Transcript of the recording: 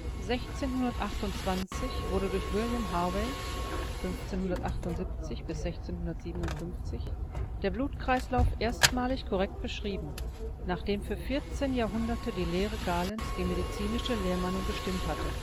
1628 wurde durch William Harvey (1578 – 1657) der Blutkreislauf erstmalig korrekt beschrieben, nachdem für 14 Jahrhunderte die Lehre Galens die medizinische Lehrmeinung bestimmt hatte